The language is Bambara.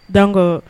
Dan ko